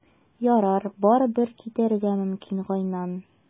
Ярар, барыбер, китәргә мөмкин, Гайнан.